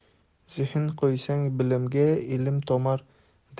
zehn qo'ysang bilimga